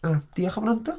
A diolch am wrando.